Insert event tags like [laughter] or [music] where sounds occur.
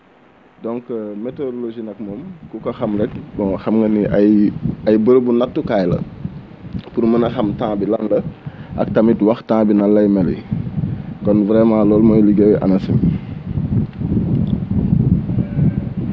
donc météorologie nag moom ku ko xam rek bon xam nga ni ay ay bérébu nattukaay la [noise] pour mën a xam temps bi lan la ak tamit wax temps bi nan lay meli [noise] kon vraiment loolu mooy liggéeyu ANACIM [noise]